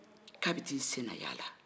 k'a bɛ t'i senayaala